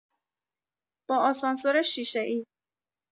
با آسانسور شیشه‌ای